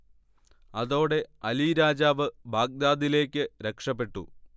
അതോടെ അലി രാജാവ് ബാഗ്ദാദിലേക്ക് രക്ഷപെട്ടു